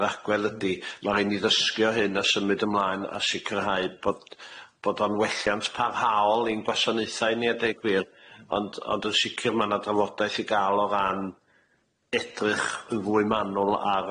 yr agwedd ydi ma' rhaid ni ddysgu o hyn a symud ymlaen a sicirhau bod bod o'n welliant parhaol i'n gwasanaethau ni a deud gwir ond ond yn sicir ma' na dalwodaeth i ga'l o ran edrych yn fwy manwl ar